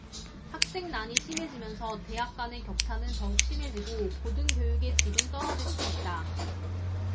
학생 난이 심해지면서 대학 간의 격차는 더욱 심해지고 고등교육의 질은 떨어질 수 있다